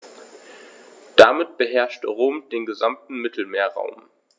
Damit beherrschte Rom den gesamten Mittelmeerraum.